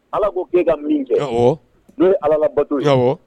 Ala ko bɛ ka min kɛ n'o ye ala la bato yan